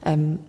yym